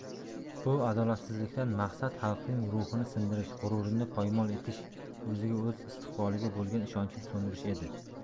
bu adolatsizlikdan maqsad xalqning ruhini sindirish g'ururini poymol etish o'ziga o'z istiqboliga bo'lgan ishonchini so'ndirish edi